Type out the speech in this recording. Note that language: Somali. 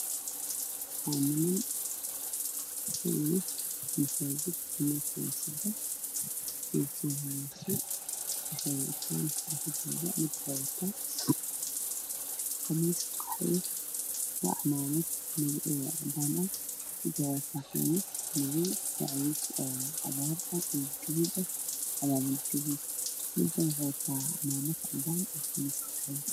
Waa niman iyo masaajid nimanka waxa ay wataan qamiisyo iyo cimaamad buluug ah